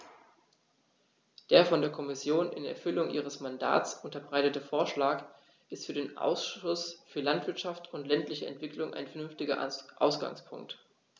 Der von der Kommission in Erfüllung ihres Mandats unterbreitete Vorschlag ist für den Ausschuss für Landwirtschaft und ländliche Entwicklung ein vernünftiger Ausgangspunkt.